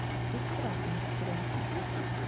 Исправник керә.